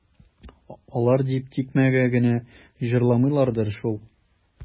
Алай дип тикмәгә генә җырламыйлардыр шул.